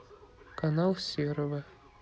канал серого